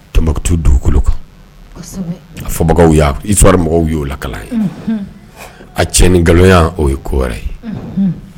Totu dugukolo kan a fɔbagaw mɔgɔw ye'o laka ye a ti ni nkalonya o ye kɔ ye